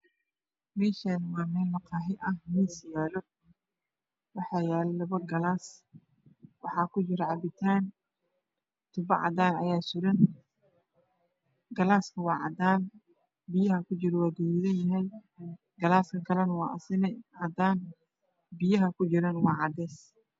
Mashan waa mel maxi ah waa yalo mis oo cadan ah wax saran kalsmo kojiro cabitan kalar kodayahy gadud iyo cades